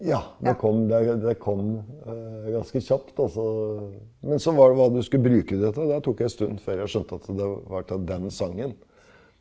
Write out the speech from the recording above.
ja det kom det det kom ganske kjapt altså, men så var det hva du skulle bruke det til, det tok en stund før jeg skjønte at det var til den sangen.